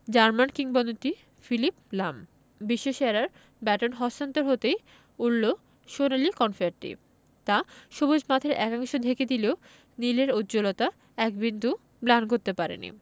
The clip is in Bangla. জার্মান কিংবদন্তি ফিলিপ লাম বিশ্বসেরার ব্যাটন হস্তান্তর হতেই উড়ল সোনালি কনফেত্তি তা সবুজ মাঠের একাংশ ঢেকে দিলেও নীলের উজ্জ্বলতা এক বিন্দুও ম্লান করতে পারেনি